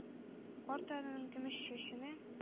Карт ананың көмеш чәченә